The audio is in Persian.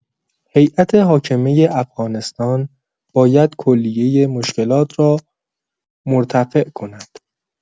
هیئت حاکمه افغانستان باید کلیه مشکلات را مرتفع کند.